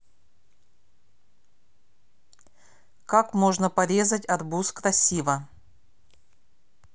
как можно порезать арбуз красиво